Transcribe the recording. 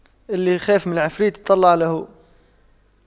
اللي يخاف من العفريت يطلع له